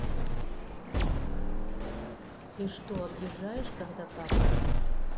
ты что объезжаешь когда какает